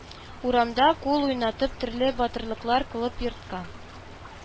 Урамда кул уйнатып, төрле “батырлыклар” кылып йортка